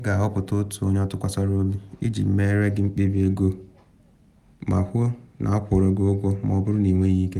Ị ga-ahọpụta otu onye atụkwasịrị obi iji meere gị mkpebi ego ma hụ na akwụrụ ụgwọ gị ma ọ bụrụ na ị nweghị ike.